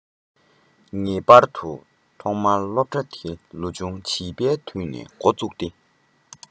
ངེས པར དུ ཐོག མར སློབ གྲྭའི དེ ཡང ལོ ཆུང བྱིས པའི དུས ནས འགོ བཙུགས ཏེ